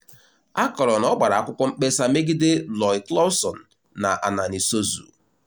A kọrọ na ọ gbara akwụkwọ mkpesa megide #LoicLawson na #AnaniSossou.